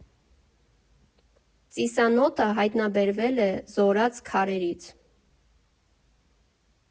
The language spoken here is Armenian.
Ծիսանոթը հայտնաբերվել է Զորաց քարերից։